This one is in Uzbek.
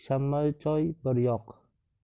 shamma choy bir yoq